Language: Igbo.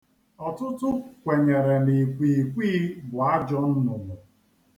Ọtụtụ kwenyere na ikwikwii bụ ajọ nnụnụ.